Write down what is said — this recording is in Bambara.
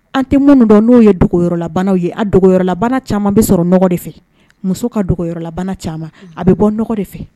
An tɛ minnutɔn n'o ye yɔrɔlabana ye a yɔrɔlabana caman bɛ sɔrɔ de fɛ muso kalabana caman a bɛ bɔ nɔgɔ de fɛ